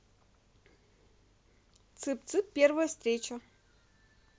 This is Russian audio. цып цып первая встреча